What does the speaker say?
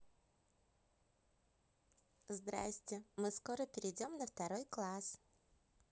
здрасьте мы скоро перейдем на второй класс